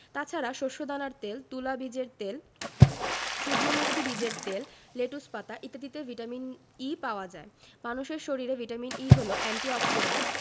তাছাড়া শস্যদানার তেল তুলা বীজের তেল সূর্যমুখী বীজের তেল লেটুস পাতা ইত্যাদিতে ভিটামিন E পাওয়া যায় মানুষের শরীরে ভিটামিন E হলো এন্টি অক্সিডেন্ট